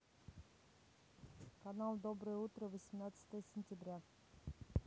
канал доброе утро восемнадцатое сентября